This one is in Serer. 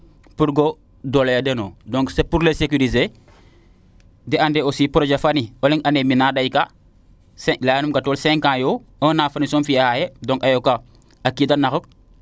pour doole a den o donc s' est pour les securiser de ande ye projet fani ande mee te dey kaa leyanum xatoor cinq ans yoo un an soog mo fiya xaye donc a yoka a kiida naxuk